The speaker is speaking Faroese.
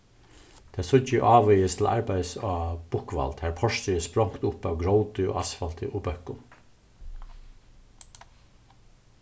tað síggi eg ávegis til arbeiðis á bukkvald har portrið er sprongt upp av gróti og asfalti og bøkkum